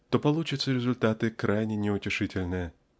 то получатся результаты крайне неутешительные.